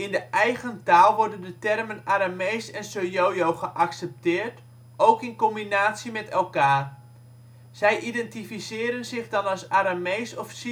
de eigen taal worden de termen " Aramees " en " Suryoyo " geaccepteerd, ook in combinatie met elkaar. Zij identificeren zich dan als Aramees of